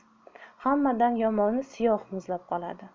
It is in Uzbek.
hammadan yomoni siyoh muzlab qoladi